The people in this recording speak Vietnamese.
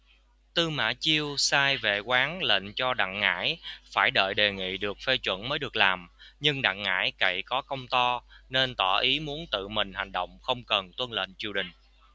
tư mã chiêu sai vệ quán lệnh cho đặng ngải phải đợi đề nghị được phê chuẩn mới được làm nhưng đặng ngải cậy có công to nên tỏ ý muốn tự mình hành động không cần tuân lệnh triều đình